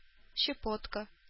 Щепотка